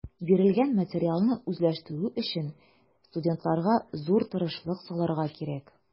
Бирелгән материалны үзләштерү өчен студентларга зур тырышлык салырга кирәк.